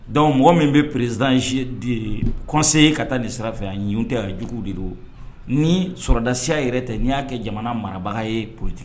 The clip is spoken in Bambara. Dɔnku mɔgɔ min bɛ peresiz kɔnɛ ye ka taa nin sira fɛ yan tɛ jugu de do ni sɔrɔdasiya yɛrɛ tɛ n'i y'a kɛ jamana marabaga ye potigi